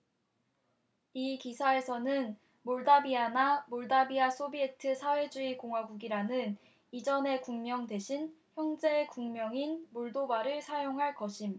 이 기사에서는 몰다비아나 몰다비아 소비에트 사회주의 공화국이라는 이전의 국명 대신 현재 국명인 몰도바를 사용할 것임